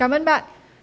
cám ơn bạn